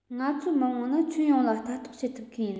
ང ཚོའི མི དམངས ནི ཁྱོན ཡོངས ལ ལྟ རྟོག བྱེད ཐུབ མཁན ཡིན